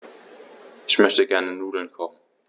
Ich möchte gerne Nudeln kochen.